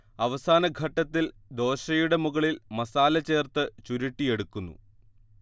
അവസാന ഘട്ടത്തിൽ ദോശയുടെ മുകളിൽ മസാല ചേർത്ത് ചുരുട്ടിയെടുക്കുന്നു